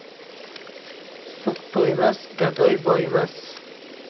suq to'ymas gadoy boyimas